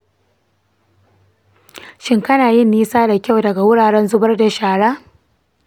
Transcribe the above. shin kana yin nisa da kyau daga wuraren zubar da shara?